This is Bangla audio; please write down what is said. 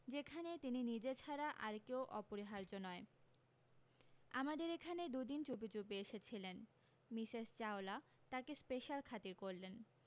যেখানে তিনি নিজে ছাড়া আর কেউ অপরিহার্য্য নয় আমাদের এখানে দুদিন চুপি চুপি এসেছিলেন মিসেস চাওলা তাকে স্পেশাল খাতির করলেন